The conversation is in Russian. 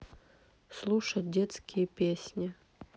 слушать детские песни